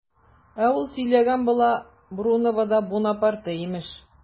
Ә ул сөйләнгән була, Бруновода Бунапарте имеш!